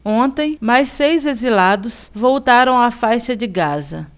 ontem mais seis exilados voltaram à faixa de gaza